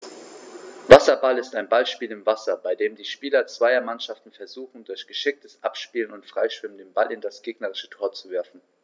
Wasserball ist ein Ballspiel im Wasser, bei dem die Spieler zweier Mannschaften versuchen, durch geschicktes Abspielen und Freischwimmen den Ball in das gegnerische Tor zu werfen.